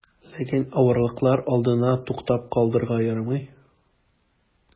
Ләкин авырлыклар алдында туктап калырга ярамый.